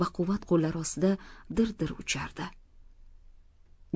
baquvvat qo'llari ostida dir dir uchardi